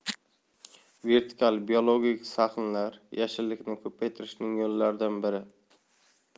vertikal biologik sahnlar yashillikni ko'paytirishning yo'llaridan biri